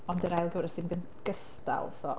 Ond 'di'r ail gyfres ddim gyn- gystal so...